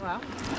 waaw